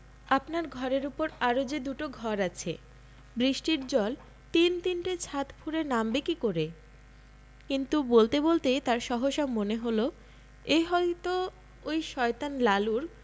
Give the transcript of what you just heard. আপনার ঘরের উপর আরও যে দুটো ঘর আছে বৃষ্টির জল তিন তিনটে ছাত ফুঁড়ে নামবে কি করে কিন্তু বলতে বলতেই তাঁর সহসা মনে হলো এ হয়ত ঐ শয়তান লালুর